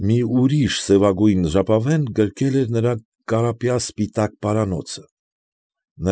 Մի ուրիշ սևագույն ժապավեն գրկել էր նրա կարապյա սպիտակ պարանոցը։